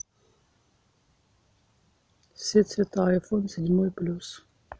все цвета айфон седьмой плюс